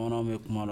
Bamananw bi kuma la.